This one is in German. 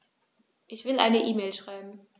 Ich will eine E-Mail schreiben.